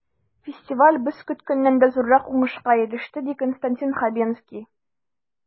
Фестиваль без көткәннән дә зуррак уңышка иреште, ди Константин Хабенский.